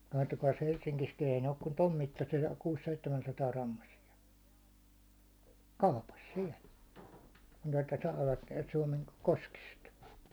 katsokaas Helsingissäkin ei ne ole kuin tuon mittaisia kuusi-seitsemänsataagrammaisia kaupassa siellä niin että saavat näet Suomen koskista